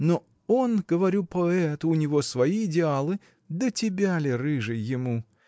Но он, говорю, поэт: у него свои идеалы — до тебя ли, рыжей, ему?